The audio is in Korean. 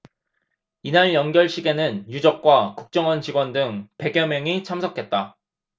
이날 영결식에는 유족과 국정원 직원 등 백 여 명이 참석했다